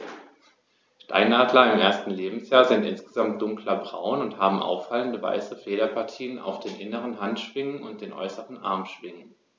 Steinadler im ersten Lebensjahr sind insgesamt dunkler braun und haben auffallende, weiße Federpartien auf den inneren Handschwingen und den äußeren Armschwingen.